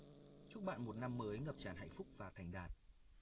chúc bạn một năm mới ngập tràn hạnh phúc và thành đạt